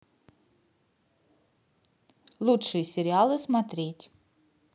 лучшие сериалы смотреть